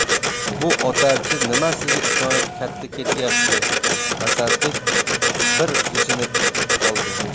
bu otarchi nimasiga ishonib katta ketyapti asadbek bir g'ijinib oldi